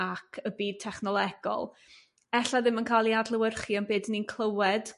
ac y byd technolegol ella ddim yn ca'l 'i adlewyrchu yn be' dyn ni'n clywed